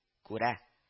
Күрә